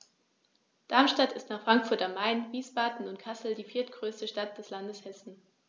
Darmstadt ist nach Frankfurt am Main, Wiesbaden und Kassel die viertgrößte Stadt des Landes Hessen